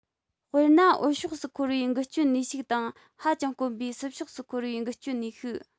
དཔེར ན འོད ཕྱོགས སུ འཁོར བའི འགུལ སྐྱོད ནུས ཤུགས དང ཧ ཅང དཀོན པའི སྲིབ ཕྱོགས སུ འཁོར བའི འགུལ སྐྱོད ནུས ཤུགས